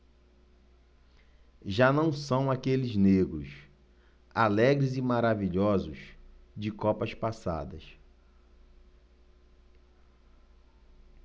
já não são aqueles negros alegres e maravilhosos de copas passadas